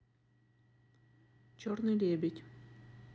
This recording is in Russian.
черный лебедь